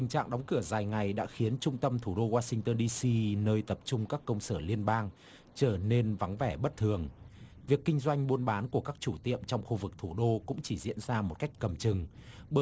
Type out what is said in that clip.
tình trạng đóng cửa dài ngày đã khiến trung tâm thủ đô goa sinh tơn đi xi nơi tập trung các công sở liên bang trở nên vắng vẻ bất thường việc kinh doanh buôn bán của các chủ tiệm trong khu vực thủ đô cũng chỉ diễn ra một cách cầm chừng bởi